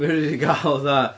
Fedri di gael, fatha...